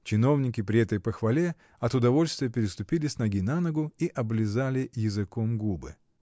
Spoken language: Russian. Чиновники, при этой похвале, от удовольствия переступили с ноги на ногу и облизали языком губы.